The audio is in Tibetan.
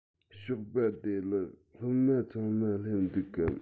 ཞོགས པ བདེ ལེགས སློབ མ ཚང མ སླེབས འདུག གམ